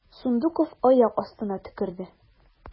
Сундуков аяк астына төкерде.